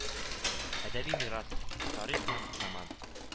Әдәби мирас: тарих һәм заман